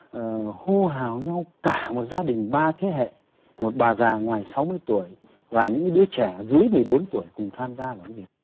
ờ hô hào nhau cả một gia đình ba thế hệ một bà già ngoài sáu mươi tuổi và những đứa trẻ dưới mười bốn tuổi cùng tham gia vào việc